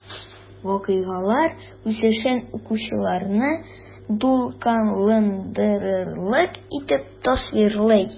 Вакыйгалар үсешен укучыларны дулкынландырырлык итеп тасвирлый.